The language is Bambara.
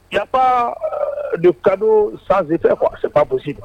Ja de kadon san senp a taa gosi